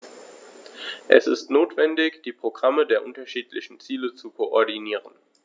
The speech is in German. Es ist notwendig, die Programme der unterschiedlichen Ziele zu koordinieren.